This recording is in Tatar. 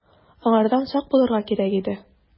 Аңардан сак булырга кирәк иде.